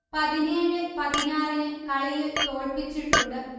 പതിനേഴ് പതിനാറിന് കളിയിൽ തോല്പിച്ചിട്ടുണ്ട്